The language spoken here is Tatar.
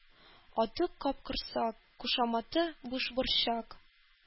Аты — Капкорсак, кушаматы Бушборчак